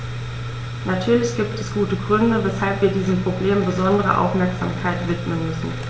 Natürlich gibt es gute Gründe, weshalb wir diesem Problem besondere Aufmerksamkeit widmen müssen.